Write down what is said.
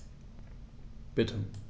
Bitte.